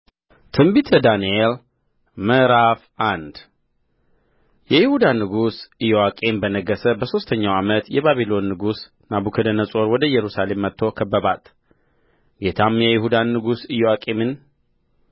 ትንቢተ ዳንኤል ምዕራፍ አንድ የይሁዳ ንጉሥ ኢዮአቄም በነገሠ በሦስተኛው ዓመት የባቢሎን ንጉሥ ናቡከደነፆር ወደ ኢየሩሳሌም መጥቶ ከበባት ጌታም የይሁዳን ንጉሥ ኢዮአቄምን